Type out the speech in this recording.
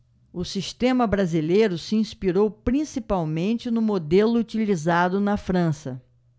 o sistema brasileiro se inspirou principalmente no modelo utilizado na frança